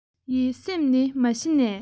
ཡིད སེམས ནི མ གཞི ནས